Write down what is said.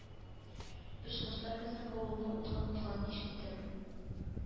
Очкычлар безнең авылны утка тотканын ишеттем